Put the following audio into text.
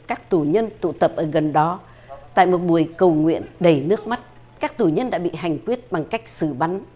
các tù nhân tụ tập ở gần đó tại một buổi cầu nguyện đầy nước mắt các tù nhân đã bị hành quyết bằng cách xử bắn